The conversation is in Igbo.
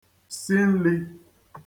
si nlī